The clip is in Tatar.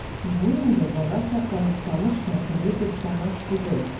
Бу инде балачактан ук таныш мәкерле персонаж түгел.